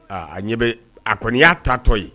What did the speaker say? Aa a ɲɛ bɛ a kɔni y'a taatɔ ye